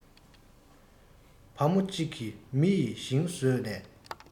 བ མོ གཅིག གིས མི ཡི ཞིང ཟོས ན